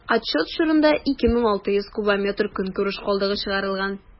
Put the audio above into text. Отчет чорында 2600 кубометр көнкүреш калдыгы чыгарылган.